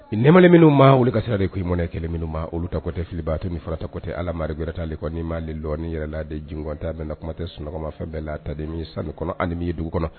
Mani minnu maa wulikasi de k'e mɔnɛ kelen minnu ma olu takɔtɛ fililibaatɔ ni faratakɔtɛ alamari geratalik ma lɔni yɛrɛ la de jɔn ta bɛn na kumatɛ sunɔgɔmafɛn bɛɛ la taden sanu kɔnɔ halimiye dugu kɔnɔ